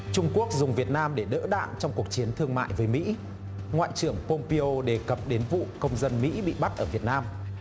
trung quốc dùng việt nam để đỡ đạn trong cuộc chiến thương mại với mỹ ngoại trưởng pôm pi ô đề cập đến vụ công dân mỹ bị bắt ở việt nam